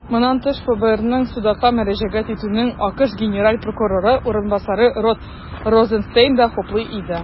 Моннан тыш, ФБРның судка мөрәҗәгать итүен АКШ генераль прокуроры урынбасары Род Розенстейн да хуплый иде.